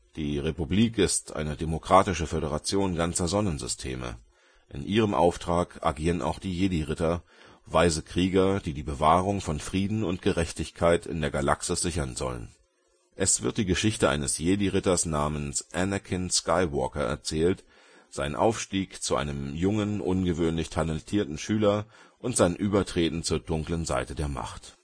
Die Republik ist eine demokratische Föderation ganzer Sonnensysteme. In ihrem Auftrag agieren auch die Jedi-Ritter, weise Krieger, die die Bewahrung von Frieden und Gerechtigkeit in der Galaxis sichern sollen. Es wird die Geschichte eines Jedi-Ritters namens Anakin Skywalker erzählt, sein Aufstieg zu einem jungen, ungewöhnlich talentierten Schüler und sein Übertreten zur Dunklen Seite der Macht